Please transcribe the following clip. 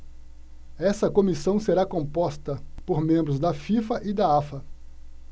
essa comissão será composta por membros da fifa e da afa